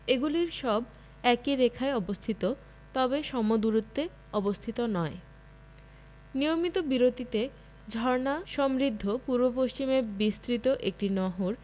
এগুলির সব একই রেখায় অবস্থিত তবে সম দূরত্বে অবস্থিত নয় নিয়মিত বিরতিতে ঝর্ণা সমৃদ্ধ পূর্ব পশ্চিমে বিস্তৃত একটি নহর